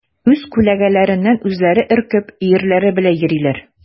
Үз күләгәләреннән үзләре өркеп, өерләре белән йөриләр.